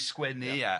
i sgwennu a